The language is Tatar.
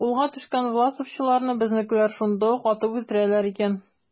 Кулга төшкән власовчыларны безнекеләр шунда ук атып үтерәләр икән.